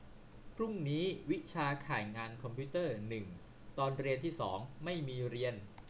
พรุ่งนี้วิชาข่ายงานคอมพิวเตอร์หนึ่งตอนเรียนที่สองไม่มีเรียน